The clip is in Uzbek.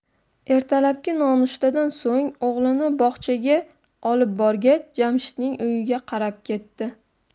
ertalabki nonushtadan so'ng o'g'lini bog'chaga olib borgach jamshidning uyiga qarab ketdi